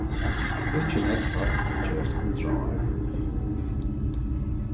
ikki nógv fólk gerast hundrað ár